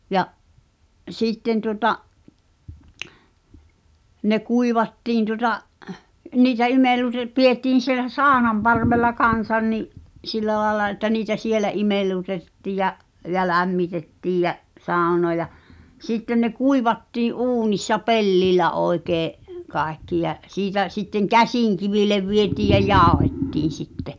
ja sitten tuota ne kuivattiin tuota niitä - pidettiin siellä saunanparvella kanssa niin sillä lailla että niitä siellä imellytettiin ja ja lämmitettiin ja saunaa ja sitten ne kuivattiin uunissa pellillä oikein kaikki ja siitä sitten käsikiville vietiin ja jauhettiin sitten